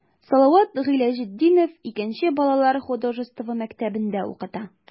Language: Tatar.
Салават Гыйләҗетдинов 2 нче балалар художество мәктәбендә укыта.